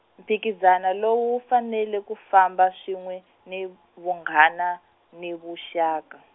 mphikizano lowu wu fanela ku famba swin'we, ni vunghana, ni vuxaka.